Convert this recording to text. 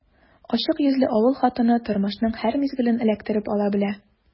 Ачык йөзле авыл хатыны тормышның һәр мизгелен эләктереп ала белә.